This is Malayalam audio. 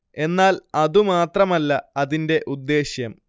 എന്നാൽ അതു മാത്രമല്ല അതിന്റെ ഉദ്ദേശ്യം